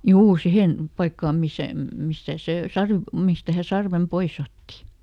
juu siihen paikkaan missä mistä se - mistä hän sarven pois otti